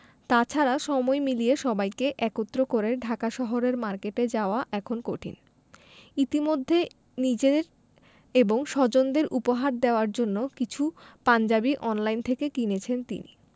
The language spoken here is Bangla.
তা ছাড়া সময় মিলিয়ে সবাইকে একত্র করে ঢাকা শহরের মার্কেটে যাওয়া এখন কঠিন ইতিমধ্যে নিজের এবং স্বজনদের উপহার দেওয়ার জন্য কিছু পাঞ্জাবি অনলাইন থেকে কিনেছেন তিনি